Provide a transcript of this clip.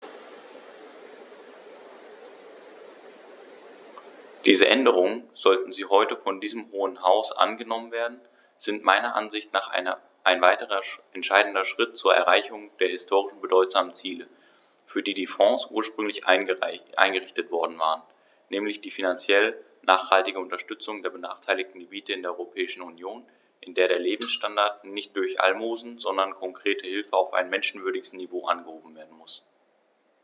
Diese Änderungen, sollten sie heute von diesem Hohen Haus angenommen werden, sind meiner Ansicht nach ein weiterer entscheidender Schritt zur Erreichung der historisch bedeutsamen Ziele, für die die Fonds ursprünglich eingerichtet worden waren, nämlich die finanziell nachhaltige Unterstützung der benachteiligten Gebiete in der Europäischen Union, in der der Lebensstandard nicht durch Almosen, sondern konkrete Hilfe auf ein menschenwürdiges Niveau angehoben werden muss.